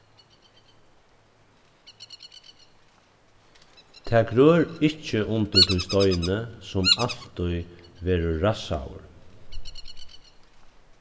tað grør ikki undir tí steini sum altíð verður rassaður